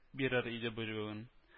Бирер иде бирүен